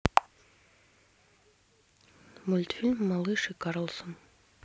мультфильм малыш и карлсон